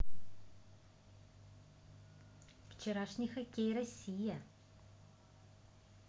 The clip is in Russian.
вчерашний хоккей россия